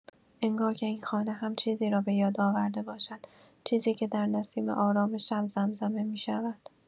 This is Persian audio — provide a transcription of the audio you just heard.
انگار که این خانه هم چیزی را بۀاد آورده باشد، چیزی که در نسیم آرام شب زمزمه می‌شود.